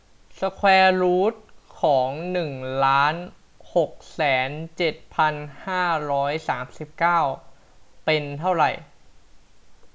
สแควร์รูทของหนึ่งล้านหกแสนเจ็ดพันห้าร้อยสามสิบเก้าเป็นเท่าไหร่